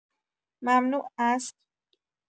ممنوع است؟